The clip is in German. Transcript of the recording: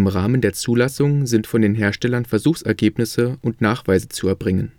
Rahmen der Zulassung sind von den Herstellern Versuchsergebnisse und Nachweise zu erbringen